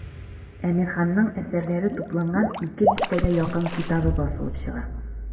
Әмирханның әсәрләре тупланган ике дистәгә якын китабы басылып чыга.